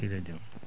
hiirii e jam